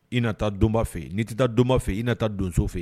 I na taa donba fɛ n'i tɛ taa donba fɛ i na taa donso fɛ yen